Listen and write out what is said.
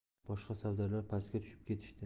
boshqa savdarlar pastga tushib ketishdi